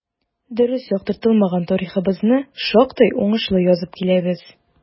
Дөрес яктыртылмаган тарихыбызны шактый уңышлы язып киләбез.